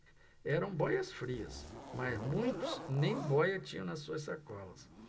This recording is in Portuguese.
eram bóias-frias mas muitos nem bóia tinham nas suas sacolas